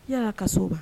Yan'a ka soba